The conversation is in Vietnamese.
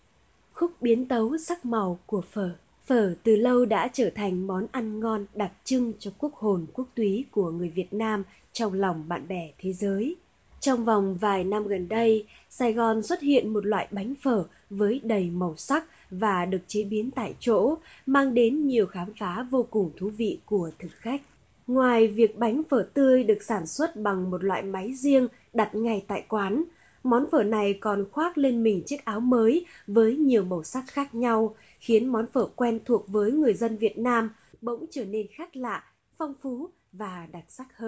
khúc biến tấu sắc màu của phở phở từ lâu đã trở thành món ăn ngon đặc trưng cho quốc hồn quốc túy của người việt nam trong lòng bạn bè thế giới trong vòng vài năm gần đây sài gòn xuất hiện một loại bánh phở với đầy màu sắc và được chế biến tại chỗ mang đến nhiều khám phá vô cùng thú vị của thực khách ngoài việc bánh phở tươi được sản xuất bằng một loại máy riêng đặt ngay tại quán món phở này còn khoác lên mình chiếc áo mới với nhiều màu sắc khác nhau khiến món phở quen thuộc với người dân việt nam bỗng trở nên khác lạ phong phú và đặc sắc hơn